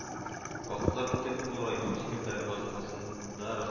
Вакытлар үтеп ул райком секретаре вазифасында